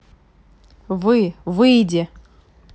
вы выйди